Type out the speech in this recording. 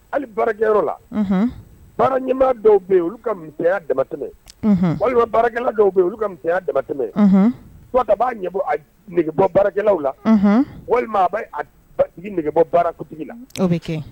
Hali barajɛ la bara ɲɛmaa dɔw bɛ yen olu kaya damatɛ walima baarakɛ dɔw bɛ yen olu ka musoya damatɛta b'a ɲɛgebɔ barakɛlaw la walima a nɛgɛbɔ baaratigi la o bɛ kɛ